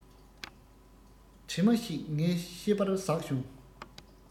གྲིབ མ ཞིག ངའི ཤེས པར ཟགས བྱུང